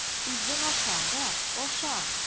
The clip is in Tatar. Аша үзең, бар, аша!